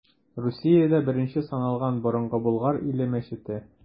Русиядә беренче саналган Борынгы Болгар иле мәчете.